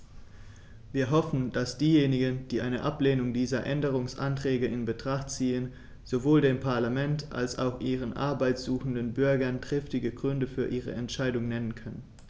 Wir hoffen, dass diejenigen, die eine Ablehnung dieser Änderungsanträge in Betracht ziehen, sowohl dem Parlament als auch ihren Arbeit suchenden Bürgern triftige Gründe für ihre Entscheidung nennen können.